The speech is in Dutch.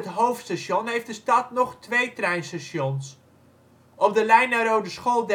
hoofdstation heeft de stad nog twee treinstations. Op de lijn naar Roodeschool